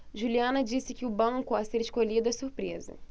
juliana disse que o banco a ser escolhido é surpresa